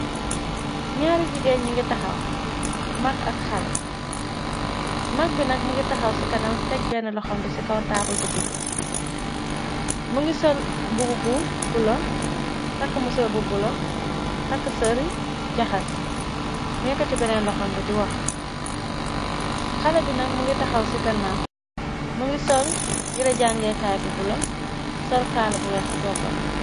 Naari jigéen ñu ngi taxaw mag ak xale. Mag bi mu ngi taxaw ci kanam teg benn loxambe ci kaw taabal bu gudd, mu ngi sol mbub bu bulo, takk mësor bu bulo takk sari jaxas muungi yekkati bennen loxambe di wax. Xale bi nak mu ngi taxaw ci gannaaw , mungi sol ngire jangeekaay bu bulo , sol kaala bu weex ci boppam bi.